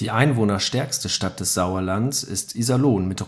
einwohnerstärkste Stadt des Sauerlands ist Iserlohn mit